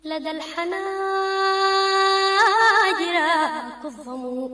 Tileyan wa